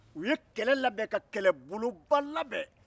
u ye kɛlɛ labɛn ka kɛlɛbolo ba labɛn